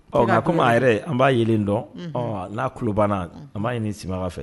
Ko maa yɛrɛ an b'a yelen dɔn n'a ku banna a maa ɲini nin sibaga fɛ